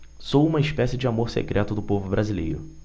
sou uma espécie de amor secreto do povo brasileiro